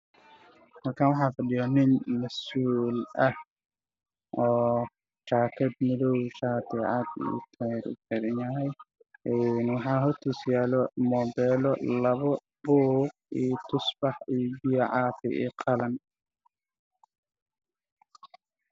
Halkaan waxaa fadhiyo nin masuul ah oo wato suud madow ah iyo shaata cadaan ah waxaana horyaala taleefanno